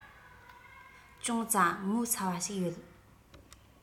ཅུང ཙ ངོ ཚ བ ཞིག ཡོད